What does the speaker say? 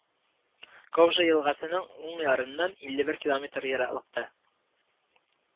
Ковжа елгасының уң ярыннан илле бер километр ераклыкта